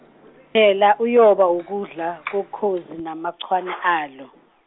phela uyoba ukudla, kokhozi namachwane alo.